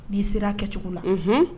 N'i sera a kɛcogo la